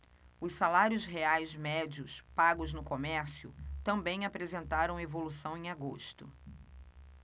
os salários reais médios pagos no comércio também apresentaram evolução em agosto